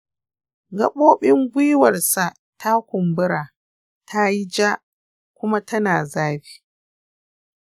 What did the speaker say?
gaɓoɓin gwiwarsa ta kumbura, ta yi ja, kuma tana zafi.